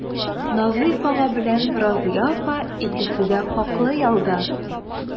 Назыйф ага белән Разыя апа икесе дә хаклы ялда.